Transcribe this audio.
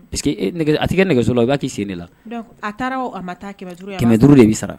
Pa que a nɛgɛso la i b'a'i sen la a taara duuru de bɛ sara